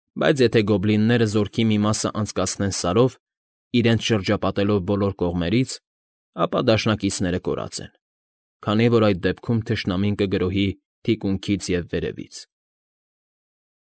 Բայց եթե գոբլինները զորքի մի մասն անցկացնեն Սարով, իրենց շրջապատելով բոլոր կողմերից, ապա դաշնակիցները կորած են, քանի որ այդ դեպքում թշնամին կգրոհի թիկունքից և վերևից։